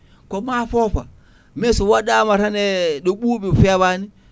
koma foofa mais sowaɗama tan e ɗo ɓuuɓi fewani